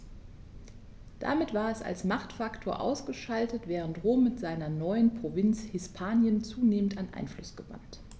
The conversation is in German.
Damit war es als Machtfaktor ausgeschaltet, während Rom mit seiner neuen Provinz Hispanien zunehmend an Einfluss gewann.